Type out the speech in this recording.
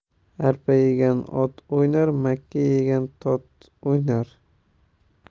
arpa yegan ot o'ynar makka yegan tot o'ynar